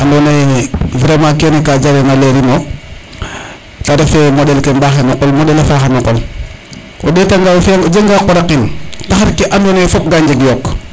ando naye vraiment kene ka jarena lerin o terefe moɗel ke mbaxe no qol moɗel a faxa no qol o ndeta nga o fiya nga qoraqin taxar ke ando naye fop ka njeg yook